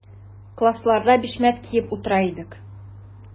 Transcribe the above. Классларда бишмәт киеп утыра идек.